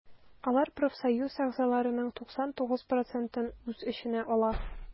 Алар профсоюз әгъзаларының 99 процентын үз эченә ала.